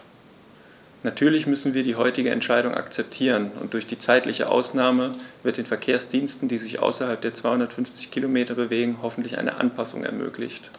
Natürlich müssen wir die heutige Entscheidung akzeptieren, und durch die zeitliche Ausnahme wird den Verkehrsdiensten, die sich außerhalb der 250 Kilometer bewegen, hoffentlich eine Anpassung ermöglicht.